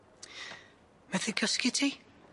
Methu cysgu ti?